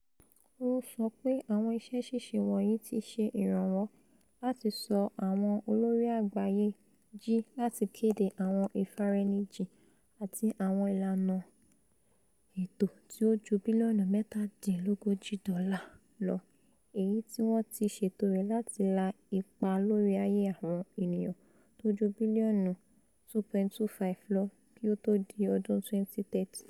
Ó ńsọ pé àwọn iṣẹ́ ṣíṣe wọ̀nyí ti ṣe ìrànwọ́ láti ṣọ àwọn olóri àgbáyé ji láti kéde àwọn ìfiraẹnijìn àti àwọn ìlàna ètò tí ó ju bílíọ̀nù mẹ́tàdínlógójì dọ́là lọ èyití wọ́n ti ṣètò rẹ̀ láti la ipa lórí ayé àwọn ènìyàn tóju bílíọ̀nù 2.25 lọ kí ó tó di ọdún 2030.